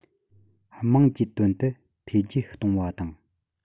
དམངས ཀྱི དོན དུ འཕེལ རྒྱས གཏོང བ དང